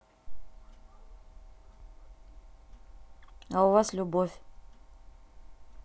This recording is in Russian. а у вас любовь